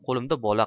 qo'limda bola